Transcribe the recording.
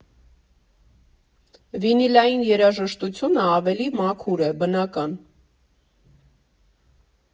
«Վինիլային երաժշտությունը ավելի մաքուր է՝ բնական։